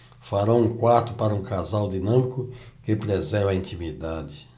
farão um quarto para um casal dinâmico que preserva a intimidade